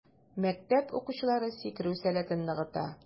Мәктәп укучылары сикерү сәләтен ныгыта.